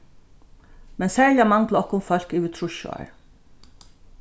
men serliga manglar okkum fólk yvir trýss ár